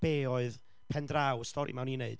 be oedd pen draw y stori yma o'n i'n ei wneud,